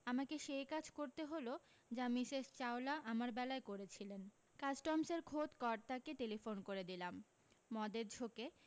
আমাকে সেই কাজ করতে হলো যা মিসেস চাওলা আমার বেলায় করেছিলেন কাস্টমসের খোদ কর্তাকে টেলিফোন করে দিলাম মদের ঝোঁকে